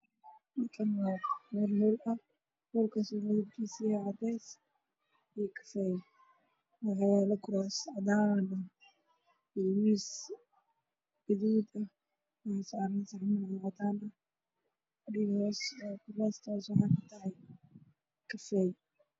Waa hool aad u qurux badan waxaa ayaa la kuraas iyo miisaas miisaska waxaa saaran mara guduudan kor waxaa kamuuqdo aada u qurux badan